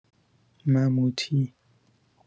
مموتی